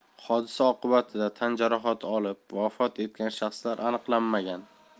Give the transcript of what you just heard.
hodisa oqibatida tan jarohati olib vafot etgan shaxslar aniqlanmagan